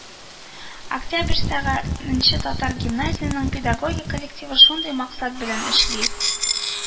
Октябрьскийдагы нче татар гимназиясенең педагогик коллективы шундый максат белән эшли